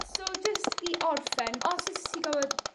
So jyst i orffen os o' s- ti gorfod